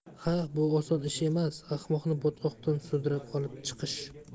ha bu oson ish emas ahmoqni botqoqdan sudrab olib chiqish